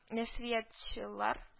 Нәшриятчылар